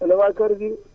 ana waa kër gi